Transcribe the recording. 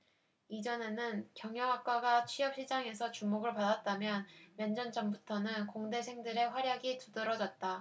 이전에는 경영학과가 취업시장에서 주목을 받았다면 몇년 전부터는 공대생들의 활약이 두드러졌다